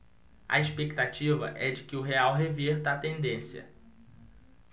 a expectativa é de que o real reverta a tendência